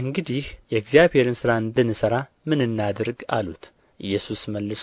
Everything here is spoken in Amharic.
እንግዲህ የእግዚአብሔርን ሥራ እንድንሠራ ምን እናድርግ አሉት ኢየሱስ መልሶ